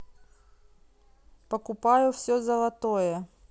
покупаю все золотое